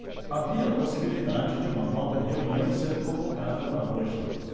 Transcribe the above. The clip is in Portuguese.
havia possibilidade de uma nova reunião ser convocada para hoje